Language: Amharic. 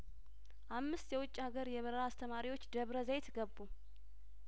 አምስት የውጪ ሀገር የበረራ አስተማሪዎች ደብረዘይት ገቡ